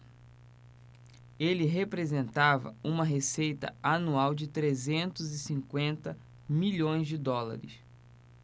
ele representava uma receita anual de trezentos e cinquenta milhões de dólares